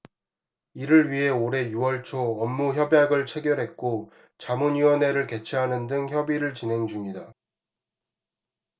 이를 위해 올해 유 월 초 업무협약을 체결했고 자문위원회를 개최하는 등 협의를 진행 중이다